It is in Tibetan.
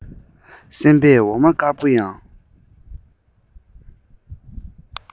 སེམས པས འོ མ དཀར པོ ཡང